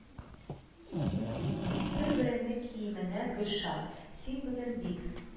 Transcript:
Бер-береңнең киеменə Гөлшат, син бүген бик